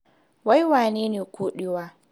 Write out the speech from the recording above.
Wai menene koɗewa?